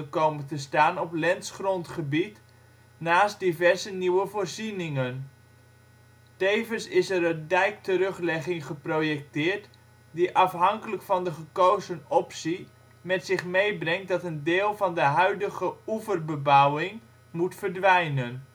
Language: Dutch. komen te staan op Lents grondgebied, naast diverse nieuwe voorzieningen. Tevens is er een dijkteruglegging geprojecteerd, die afhankelijk van de gekozen optie met zich meebrengt dat een deel van de huidige oeverbebouwing (geheten " Veur-Lent ") moet verdwijnen